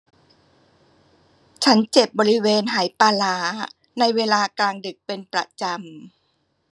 ฉันเจ็บบริเวณไหปลาร้าในเวลากลางดึกเป็นประจำ